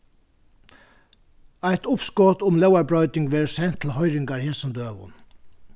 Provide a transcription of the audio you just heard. eitt uppskot um lógarbroyting verður sent til hoyringar í hesum døgum